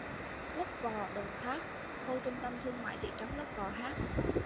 lấp vò đồng tháp khu trung tâm thương mai thị trấn lấp vò h